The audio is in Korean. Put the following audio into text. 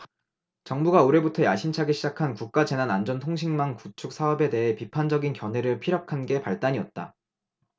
정부가 올해부터 야심차게 시작한 국가재난안전통신망 구축사업에 대해 비판적인 견해를 피력한 게 발단이었다